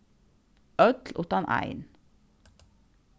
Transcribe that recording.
øll uttan ein